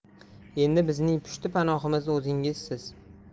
endi bizning pushti panohimiz o'zingizsiz